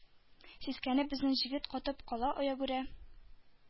Сискәнеп, безнең Җегет катып кала аягүрә,